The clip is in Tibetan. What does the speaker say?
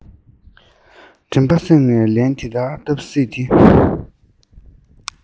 མགྲིན པ གཟེངས ནས ལན འདི ལྟར བཏབ སྲིད དེ